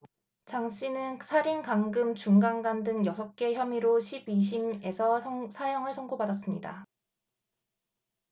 장씨는 살인 감금 준강간 등 여섯 개 혐의로 십 이 심에서 사형을 선고받았습니다